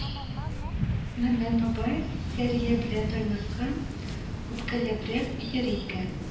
Мәмәт бабай Сәрия белән Таймаска үпкәләбрәк йөри икән: